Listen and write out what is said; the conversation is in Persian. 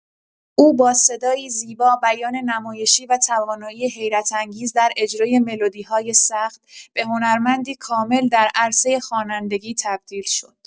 او با صدایی زیبا، بیان نمایشی و توانایی حیرت‌انگیز در اجرای ملودی‌های سخت، به هنرمندی کامل در عرصه خوانندگی تبدیل شد.